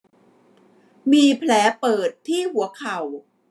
มีแผลเปิดที่หัวเข่า